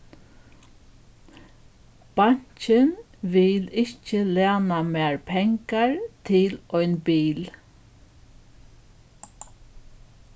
bankin vil ikki læna mær pengar til ein bil